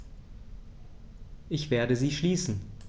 Ich werde sie schließen.